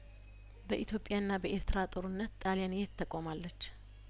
በኢትዮጵያ ና በኤርትራ ጦርነት ጣሊያን የትቆማለች